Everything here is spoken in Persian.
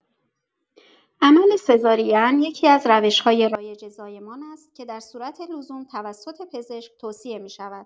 عمل سزارین یکی‌از روش‌های رایج زایمان است که در صورت لزوم توسط پزشک توصیه می‌شود.